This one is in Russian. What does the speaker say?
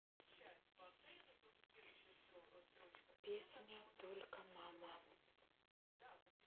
песня только мама